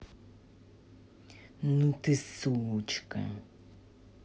ну ты сучка